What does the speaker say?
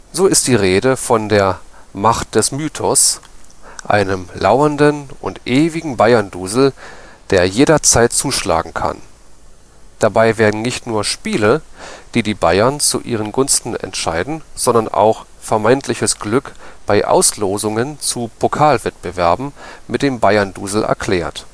So ist die Rede von der „ Macht des Mythos “, einem „ lauernden “und „ ewigen “Bayerndusel, der jederzeit zuschlagen kann. Dabei werden nicht nur Spiele, die die Bayern zu ihren Gunsten entscheiden, sondern auch vermeintliches Glück bei Auslosungen zu Pokalwettbewerben mit dem Bayern-Dusel erklärt